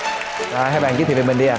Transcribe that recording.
rồi hai bạn giới thiệu về mình đi ạ